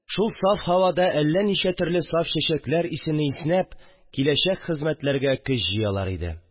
Шул саф һавада әллә ничә төрле саф чәчәкләр исене иснәп, киләчәк хезмәтләргә көч җыялар иде